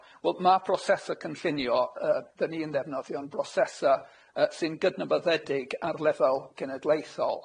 Wel ma' prosese cynllunio yy 'dan ni yn ddefnyddio'n brosesa yy sy'n gydnabyddedig ar lefel genedlaethol.